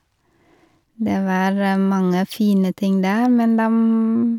Det var mange fine ting der, men dem...